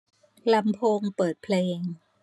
ลำโพงเปิดเพลง